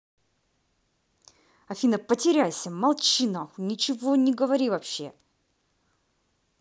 афина потеряйся молчи нахуй ничего не говори вообще